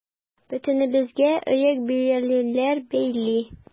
Бөтенебезгә оек-биялиләр бәйли.